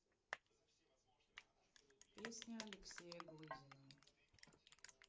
песня алексея глызина